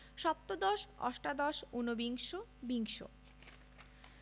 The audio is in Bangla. সপ্তদশ অষ্টাদশ উনবিংশ বিংশ